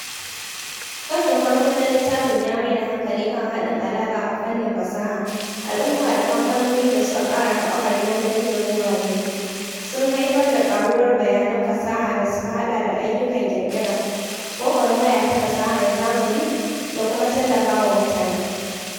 Kashin farko na littafin ya mai da hankali kan haɗin alaƙa a fannin fasaha, al’umma da kamfanonin da suke ƙara haɓakar yanar gizo zuwa yanzu, sun haifar da ƙaruwar “bayanan fasaha” da suka haɗa da ayyukan ƙirƙira, gwagwarmaya ta fasahar zamani, da kuma tallafawa mutane.